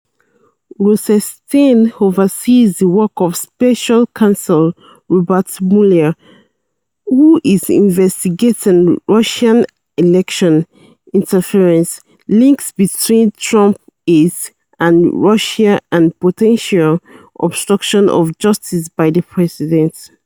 Rosenstein oversees the work of special counsel Robert Mueller, who is investigating Russian election interference, links between Trump aides and Russia and potential obstruction of justice by the president.